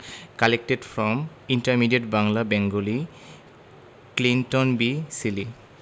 collected from intermediate Bangla Bengali Clinton B Seely